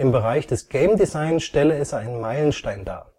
Bereich des Game-Design stelle es einen Meilenstein dar